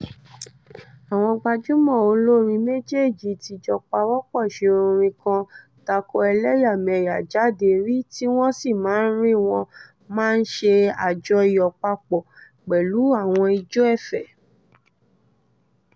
Àwọn gbajúmò olórin méjèèjì ti jọ pawọ́pọ̀ ṣe orin kan tako ẹlẹ́yàmẹ̀yà jáde rí tí wọ́n sì máa ń rí wọn máa ṣe àjọyọ̀ papọ pẹ̀lú àwọn ìjọ ẹ̀fẹ̀.